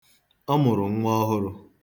Ọ mụrụ nwa ọhụrụ.